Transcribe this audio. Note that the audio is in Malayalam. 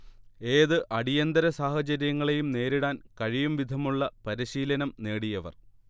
ഏത് അടിയന്തര സാഹചര്യങ്ങളെയും നേരിടാൻ കഴിയുംവിധമുള്ള പരിശീലനം നേടിയവർ